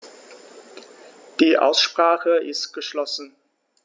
Die Aussprache ist geschlossen.